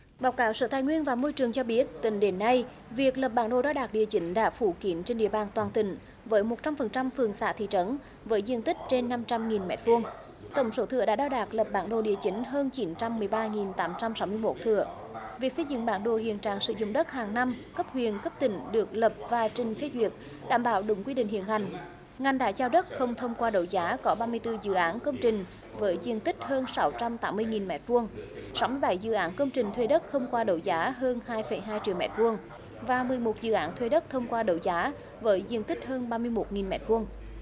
báo cáo sở tài nguyên và môi trường cho biết tính đến nay việc lập bản đồ đo đạc địa chính đã phủ kín trên địa bàn toàn tỉnh với một trăm phần trăm phường xã thị trấn với diện tích trên năm trăm nghìn mét vuông tổng số thửa đã đo đạc lập bản đồ địa chính hơn chín trăm mười ba nghìn tám trăm sáu mươi mốt thửa việc xây dựng bản đồ hiện trạng sử dụng đất hàng năm cấp huyện cấp tỉnh được lập và trình phê duyệt đảm bảo đúng quy định hiện hành ngành đã giao đất không thông qua đấu giá có ba mươi tư dự án công trình với diện tích hơn sáu trăm tám mươi nghìn mét vuông sáu mươi bảy dự án công trình thuê đất không qua đấu giá hơn hai phẩy hai triệu mét vuông và mười một dự án thuê đất thông qua đấu giá với diện tích hơn ba mươi mốt nghìn mét vuông